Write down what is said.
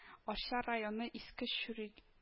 Арча районы Иске Чүрил